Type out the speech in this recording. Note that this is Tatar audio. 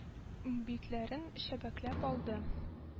Битләрен чәбәкләп алды